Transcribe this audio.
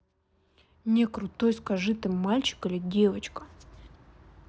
не крутой скажи ты мальчик или девочка